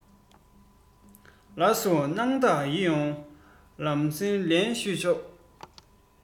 ལགས སོ སྣང དག མི ཡོང ལམ སེང ལན ཞུས ཆོག